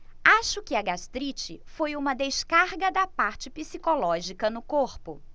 acho que a gastrite foi uma descarga da parte psicológica no corpo